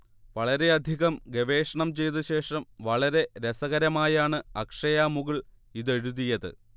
വളരെയധികം ഗവേഷണം ചെയ്തശേഷം, വളരെ രസകരമായാണ് അക്ഷയ മുകുൾ ഇതെഴുതിയത്